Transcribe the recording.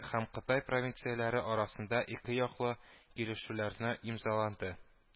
Һәм кытай провинцияләре арасында ике яклы килешүләрне имзаланды